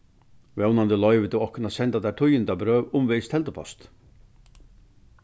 vónandi loyvir tú okkum at senda tær tíðindabrøv umvegis teldupost